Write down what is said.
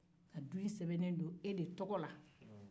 mais du in sɛbɛnnen do e de tɔgɔ la